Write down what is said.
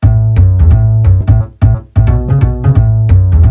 ô kê